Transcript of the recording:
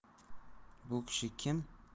bu kishi kim